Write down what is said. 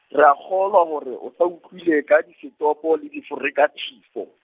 re a kgolwa hore o sa utlwile ka disetopo le diforekathifo.